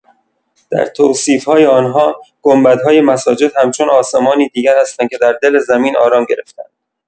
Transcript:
در توصیف‌های آن‌ها، گنبدهای مساجد همچون آسمانی دیگر هستند که در دل زمین آرام گرفته‌اند.